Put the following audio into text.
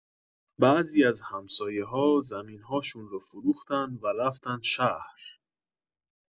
بعضی از همسایه‌ها زمین‌هاشون رو فروختن و رفتن شهر.